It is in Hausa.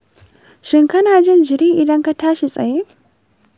shin kana jin jiri idan ka tashi tsaye?